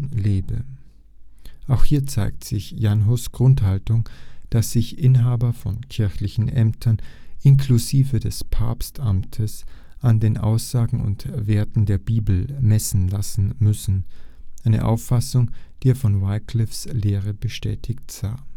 lebe. Auch hier zeigt sich Jan Hus ' Grundhaltung, dass sich Inhaber von kirchlichen Ämtern, inklusive des Papstamtes, an den Aussagen und Werten der Bibel messen lassen müssen, eine Auffassung, die er von Wyclifs Lehre bestätigt sah